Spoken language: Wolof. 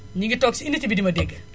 ñu ngi toog ci unité bi di ma dégg